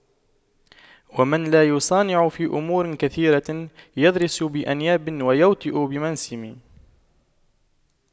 ومن لا يصانع في أمور كثيرة يضرس بأنياب ويوطأ بمنسم